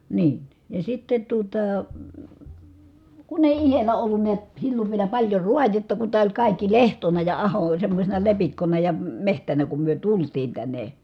niin ja sitten tuota kun ei itsellä ollut näet silloin vielä paljon raadetta kun tämä oli kaikki lehtona ja aho oli semmoisena lepikkona ja metsänä kun me tultiin tänne